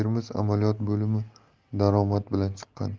amaliyot bo'limi daromad bilan chiqqan